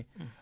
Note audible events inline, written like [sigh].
[hesitation] [hesitation]